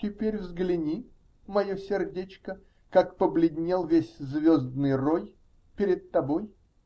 Теперь взгляни, Мое сердечко, Как побледнел весь звездный рой -- Перед тобой!